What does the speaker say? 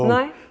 nei.